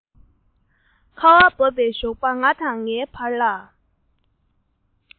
ཁ བ བབས པའི ཞོགས པ དང ངའི བར ལ